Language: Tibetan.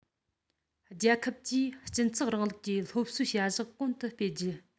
རྒྱལ ཁབ ཀྱིས སྤྱི ཚོགས རིང ལུགས ཀྱི སློབ གསོའི བྱ གཞག གོང དུ སྤེལ རྒྱུ